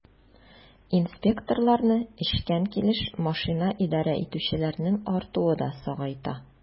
Инспекторларны эчкән килеш машинага идарә итүчеләрнең артуы да сагайта.